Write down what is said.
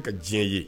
Ka diɲɛ ye